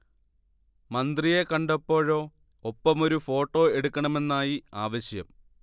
മന്ത്രിയെ കണ്ടപ്പോഴോ ഒപ്പമൊരു ഫോട്ടോ എടുക്കണമെന്നായി ആവശ്യം